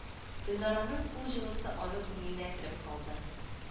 Гөлна-раның кул җылысы аның күңеленә кереп калды